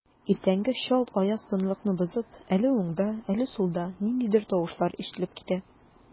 Иртәнге чалт аяз тынлыкны бозып, әле уңда, әле сулда ниндидер тавышлар ишетелеп китә.